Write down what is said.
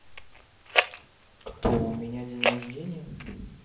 кто у меня день рождения